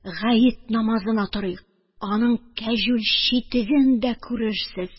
Гает намазына торыйк, аның кәҗүл читеген дә күрерсез...